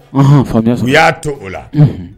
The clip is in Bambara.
unhun; faamuya , u y'a t'o la; Unhun.